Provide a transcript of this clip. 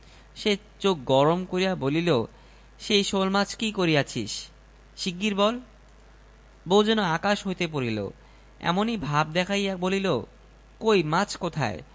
তাড়াতাড়ি মনের খুশীতে সে মাছটি লইয়া রহিম শেখের বাড়ির খিড়কি দরজায় আসিল বউ তো আগেই সেখানে আসিয়া দাঁড়াইয়া আছে